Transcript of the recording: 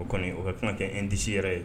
O kɔni o bɛ ka kɛ n tɛsi yɛrɛ ye